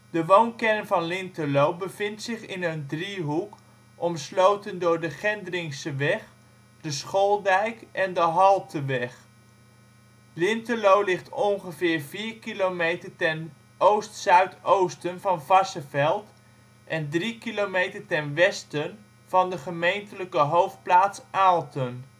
De woonkern van Lintelo bevindt zich in een driehoek omsloten door de Gendringseweg, de Schooldijk en de Halteweg. Lintelo ligt ongeveer vier kilometer ten oost-zuidoosten van Varsseveld en drie kilometer ten westen van de gemeentelijke hoofdplaats Aalten